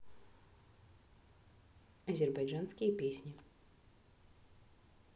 азербайджанские песни